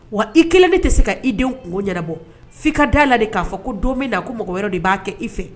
Wa i kelen ne tɛ se ka i denw kungo yɛrɛbɔ' ka da la de k'a fɔ ko don min na ko mɔgɔ wɛrɛ dɔ de b'a kɛ i fɛ